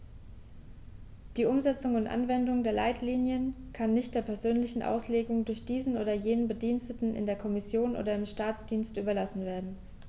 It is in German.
Die Umsetzung und Anwendung der Leitlinien kann nicht der persönlichen Auslegung durch diesen oder jenen Bediensteten in der Kommission oder im Staatsdienst überlassen werden.